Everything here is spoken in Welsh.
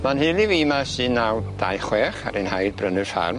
Ma'n nheulu fi ma' ers un naw dau chwech ddaru nhaid brynu'r ffarm.